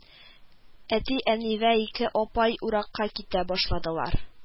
Әти, әни вә ике апай уракка китә башладылар